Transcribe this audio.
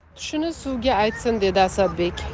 tushini suvga aytsin dedi asadbek